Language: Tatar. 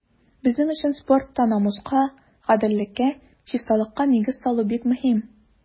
Безнең өчен спортта намуска, гаделлеккә, чисталыкка нигез салу бик мөһим.